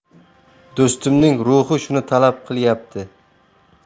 do'stimning ruhi shuni talab qilyapti